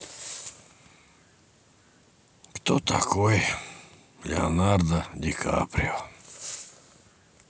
кто такой леонардо ди каприо